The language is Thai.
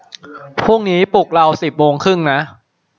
พรุ่งนี้ปลุกเราสิบโมงครึ่งนะ